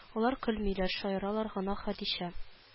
Алар көлмиләр шаяралар гына хәдичә